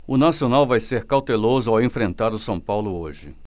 o nacional vai ser cauteloso ao enfrentar o são paulo hoje